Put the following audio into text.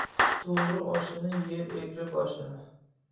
to'g'ri oshini yer egri boshini